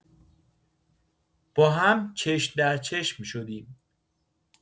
با هم چشم در چشم شدیم.